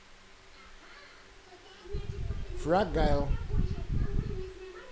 fragile